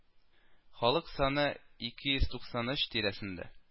Халык саны ике йөз туксан өч тирәсендә